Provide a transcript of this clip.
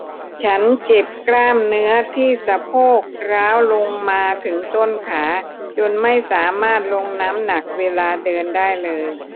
ฉันเจ็บกล้ามเนื้อที่สะโพกร้าวลงมาถึงต้นขาจนไม่สามารถลงน้ำหนักเวลาเดินได้เลย